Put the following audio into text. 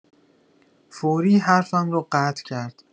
فوری حرفم رو قطع کرد!